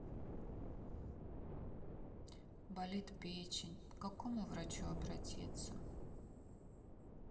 болит печень к какому врачу обратиться